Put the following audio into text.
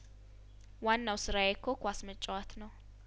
ዋናው ስራዬ እኮ ኳስ መጫወት ነው